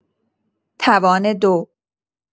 توان دو